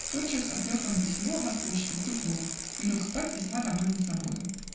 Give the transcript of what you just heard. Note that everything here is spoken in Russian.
Тотчас отнес он письмо на почту, в дупло, и лег спать весьма довольный собою.